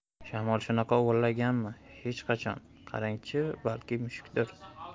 shamol shunaqa uvillaganmi hech qachon qarang chi balki mushukdir